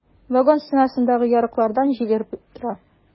Вагон стенасындагы ярыклардан җил өреп тора.